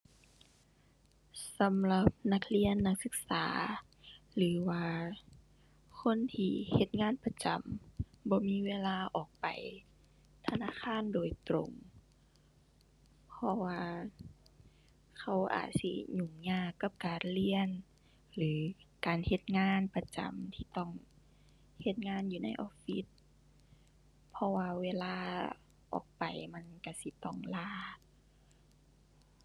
สำหรับนักเรียนนักศึกษา หรือว่าคนที่เฮ็ดงานประจำ บ่มีเวลาออกไปธนาคารโดยตรง เพราะว่าเขาอาจสิยุ่งยากกับการเรียน หรือการเฮ็ดงานประจำที่ต้องเฮ็ดงานอยู่ในออฟฟิศ เพราะว่าเวลาออกไปมันก็สิต้องลา